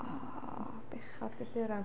O, bechod graduran.